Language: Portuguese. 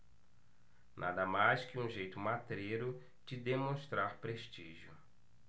nada mais que um jeito matreiro de demonstrar prestígio